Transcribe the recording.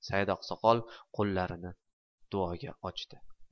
saidoqsoqol qo'llarini yozdi